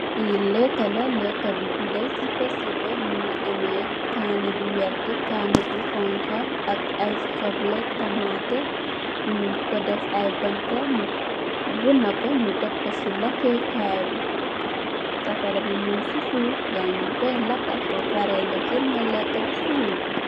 Fii lekka, la, leekë bu tudda sipa sipa, mu ngi amee, kaani bu werta, ak ay soble, tamaate, ñung ko def ay bantë bonna ko si lakkey kaay bi, safara bi nuñ si suuf bu xoñxa, ak ay soble, bullet, ñung ko def ...Kon ñu tek ko si lakkey kaa bi, safara bi muñ si suuf, gaayi ñung koo lakkë, so pare nga hël neekë ba suur.